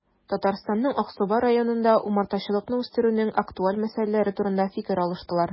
Татарстанның Аксубай районында умартачылыкны үстерүнең актуаль мәсьәләләре турында фикер алыштылар